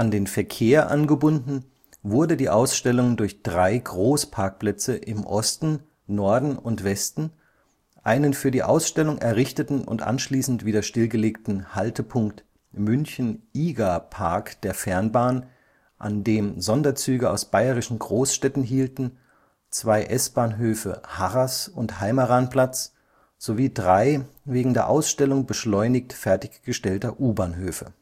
den Verkehr angebunden wurde die Ausstellung durch drei Großparkplätze im Osten, Norden und Westen, einen für die Ausstellung errichteten und anschließend wieder stillgelegten Haltepunkt München IGA-Park der Fernbahn, an dem Sonderzüge aus bayerischen Großstädten hielten, zwei S-Bahnhöfe Harras und Heimeranplatz sowie drei wegen der Ausstellung beschleunigt fertiggestellte U-Bahnhöfe